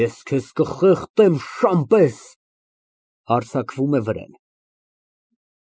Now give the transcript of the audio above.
Ես քեզ կխեղդեմ շան պես։ (Հարձակվում է վրեն)։